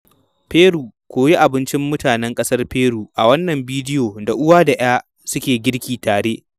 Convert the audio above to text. Peru - koyi abincin mutanen ƙasar Peru a wannan bidiyon da uwa da 'ya suke girki tare.